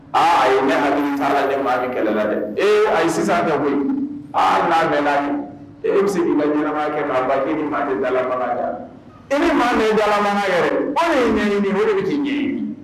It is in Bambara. Aaa ayi ne hakili t'a la ne ni maa min kɛlɛla dɛ, ee ayi ye sisan tɛ koyi, hali n'a mɛnna don, e bɛ k'i ka ɲɛnama kɛ k'a ban e ni maa tɛ dalamankan kɛ, e ni maa ye dalamankan kɛ dɛ o de y'i ɲɛɲini, o de bɛ k'i ɲɛɲini.